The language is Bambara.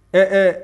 Ee